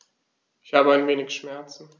Ich habe ein wenig Schmerzen.